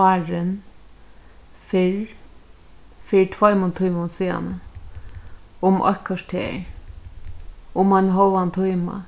áðrenn fyrr fyri tveimum tímum síðani um eitt korter um ein hálvan tíma